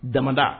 Dada